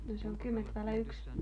no se on kymmentä vailla yksi